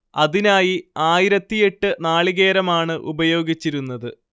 അതിനായി ആയിരത്തിയെട്ട് നാളികേരമാണ് ഉപയോഗിച്ചിരുന്നത്